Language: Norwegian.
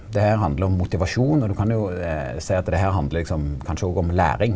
det her handlar om motivasjon og du kan jo seie at det her handlar liksom kanskje òg om læring.